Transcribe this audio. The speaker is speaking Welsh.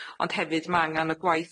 ond hefyd ma' angan y gwaith